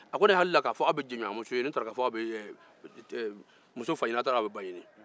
a ko ne hakili la aw bɛ jɛɲɔgɔnmus ɲini ne t' a don aw be ba ni fa ɲini